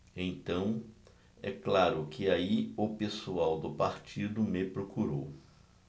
então é claro que aí o pessoal do partido me procurou